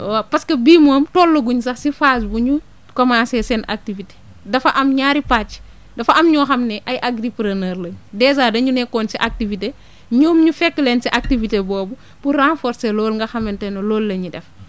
waaw parce que bii moom tollaguñ sax si phase bu ñu commencé seen activité dafa am ñaari pàcc dafa am ñoo xam ne ay agripreneur lañ dèjà dañu nekkoon ci activité ñoom ñu fekk leen si activité boobu pour renforcer loolu nga xamante ne loolu la ñuy def